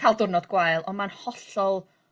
ca'l diwrnod gwael ond ma'n hollol